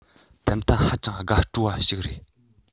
ཏན ཏན ཧ ཅང དགོད སྤྲོ བ ཞིག རེད